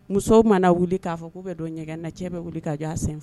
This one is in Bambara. Musow mana wuli k'a fɔ k'u bɛ don ɲɛgɛn na cɛ bɛ wuli k'a jɔ sen